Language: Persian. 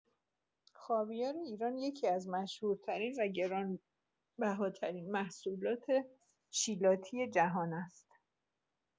خاویار ایران یکی‌از مشهورترین و گران‌بهاترین محصولات شیلاتی جهان است.